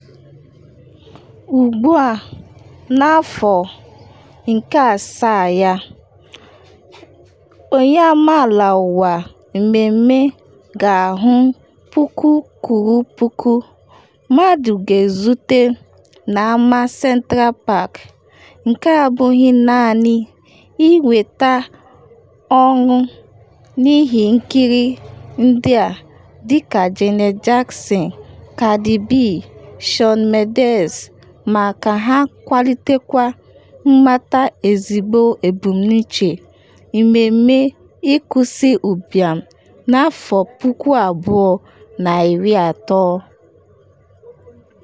Ugbu a n’afọ nke asaa ya, Global Citizen Festival ga-ahụ puku kwụrụ puku mmadụ ga-ezute na Ama Central Park, nke abụghị naanị inweta ọṅụ n’ihe nkiri ndị a dịka Janet Jackson, Cardi B, Shawn Mendes, ma ka ha kwalitekwa mmata ezigbo ebumnuche mmemme ịkwụsị ụbịam na 2030.